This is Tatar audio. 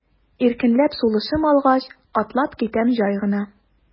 Иркенләп сулышым алгач, атлап китәм җай гына.